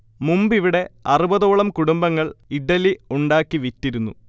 മുമ്പിവിടെ അറുപതോളം കുടുംബങ്ങൾ ഇഡ്ഢലി ഉണ്ടാക്കി വിറ്റിരുന്നു